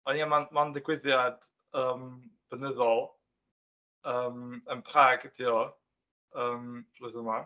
Ond ia ,ma'n ma'n digwyddiad yym blynyddol, yn Prague ydi o yym flwyddyn yma.